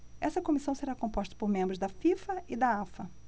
essa comissão será composta por membros da fifa e da afa